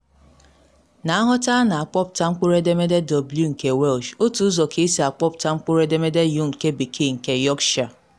Na nghọta a ana akpọpụta mkpụrụedemede w nke Welsh otu ụzọ ka esi akpọpụta mkpụrụedemede u nke Bekee nke Yorkshire.